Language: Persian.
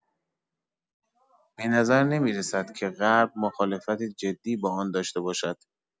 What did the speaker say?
به نظر نمی‌رسد که غرب مخالفت جدی با آن داشته باشد.